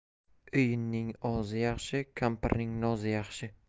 o'yinning ozi yaxshi kampirning nozi yaxshi